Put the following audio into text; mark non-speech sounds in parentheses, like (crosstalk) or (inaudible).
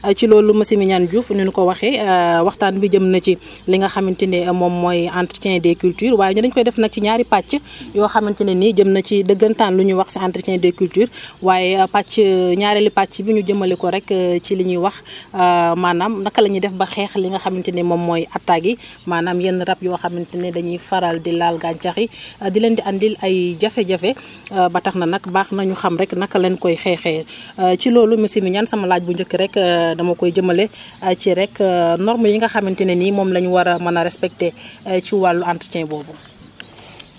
ci loolu monsieur Mignane Diouf ni ñu ko waxee (hesitation) waxtaan bi jëm na ci (breath) li nga xamante ne moom mooy entretien des cultures waaye ñun dañu koy def nag ci ñaari pàcc (breath) yoo xamante ne ni jëm na ci dëggantaan lu ñuy wax sax entretien des cultures (breath) waaye pàcc ñaareelu pàcc bi ñu jëmale ko rek ci li ñuy wax (hesitation) maanaam naka la ñuy def ba xeex li nga xamante ni moom mooy attaques yi maanaam yenn rab yoo xamante ne dañuy faral di laal gàncax yi (breath) di leen di andil ay jafe-jafe ba tax na nag baax na ñu xam rek naka lañ koy xeexee (breath) ci loolu monsieur Mignane sama laaj bu njëkk rek (hesitation) dama koy jëmale (breath) ci rek (hesitation) normes yi nga xamante ne ni moom la ñu war a mën a respecter (breath) ci wàllu entretien boobu